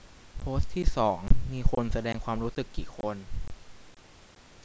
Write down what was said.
โพสต์ที่สองมีคนแสดงความรู้สึกกี่คน